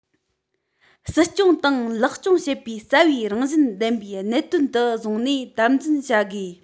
སྲིད སྐྱོང ཏང ལེགས སྐྱོང བྱེད པའི རྩ བའི རང བཞིན ལྡན པའི གནད དོན དུ བཟུང ནས དམ འཛིན བྱ དགོས